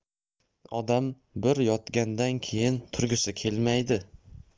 odam bir yotgandan keyin turgisi kelmaydi